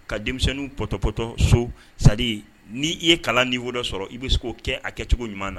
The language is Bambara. Ka denmisɛnnin pɔtɔ pɔtɔ so . C'est à dire ni i ye kalan niveau dɔ sɔrɔ i bi se ko kɛ ,a kɛ cogo ɲuman na.